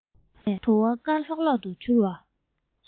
ཁ ནས དུ བ དཀར ལྷོག ལྷོག ཏུ འཕྱུར བ